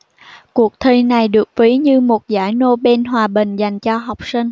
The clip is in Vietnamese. cuộc thi này được ví như một giải nobel hòa bình dành cho học sinh